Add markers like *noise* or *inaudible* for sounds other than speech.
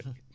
*hesitation*